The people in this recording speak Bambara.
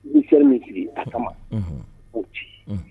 N seri min sigi a kama o ci